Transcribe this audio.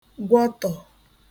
gwọtọ̀